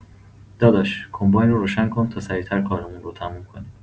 داداش، کمباین رو روشن کن تا سریع‌تر کارمون رو تموم کنیم.